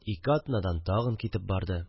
Ике атнадан тагын китеп барды